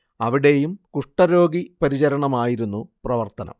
അവിടേയും കുഷ്ടരോഗി പരിചരണമായിരുന്നു പ്രവർത്തനം